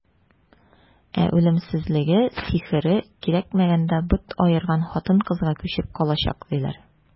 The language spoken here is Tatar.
Ә үлемсезлеге, сихере кирәкмәгәндә бот аерган кыз-хатынга күчеп калачак, диләр.